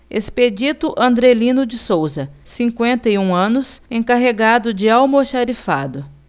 expedito andrelino de souza cinquenta e um anos encarregado de almoxarifado